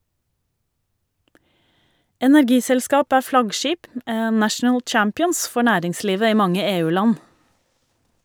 Energiselskap er flaggskip, «national champions», for næringslivet i mange EU-land.